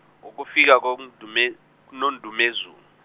ukufika kondume, kuNondumezulu.